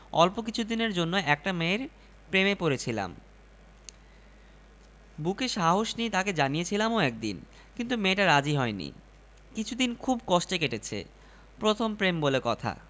থম মেরে আছেন উগান্ডার মন্ত্রী নিজের গুম হয়ে যাওয়ার রহস্য বুঝতে পেরে কিছুটা স্বস্তিও অবশ্য পাচ্ছেন সাইকিয়াট্রিস্টকে ধন্যবাদ দিয়ে বিদায় নিতে যাবেন দরজা থেকে ঘুরে দাঁড়ালেন